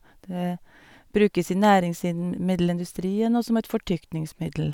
Det brukes i næringsidn middelindustrien og som et fortykningsmiddel.